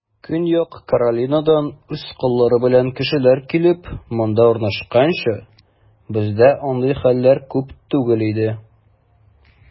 Көньяк Каролинадан үз коллары белән кешеләр килеп, монда урнашканчы, бездә андый хәлләр күп түгел иде.